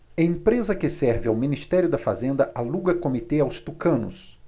empresa que serve ao ministério da fazenda aluga comitê aos tucanos